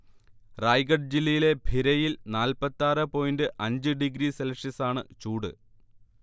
റയ്ഗാഡ് ജില്ലയിലെ ഭിരയിൽ നാല്പത്തി ആറെ പോയിറ് അഞ്ചു ഡിഗ്രി സെൽഷ്യസാണ് ചൂട്